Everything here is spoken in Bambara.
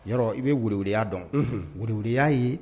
N i bɛ welewya dɔn wya ye